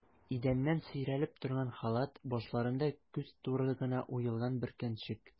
Идәннән сөйрәлеп торган халат, башларында күз туры гына уелган бөркәнчек.